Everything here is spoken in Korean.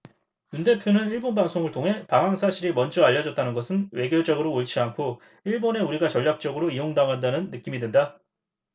윤 대표는 일본 방송을 통해 방한 사실이 먼저 알려졌다는 것은 외교적으로 옳지 않고 일본에 우리가 전략적으로 이용당한다는 느낌이 든다